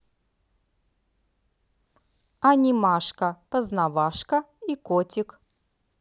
анимашка познавашка и котик